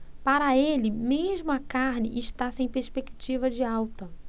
para ele mesmo a carne está sem perspectiva de alta